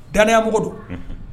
Ganiya mɔgɔ don